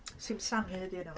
Simsanu ydy enw fo.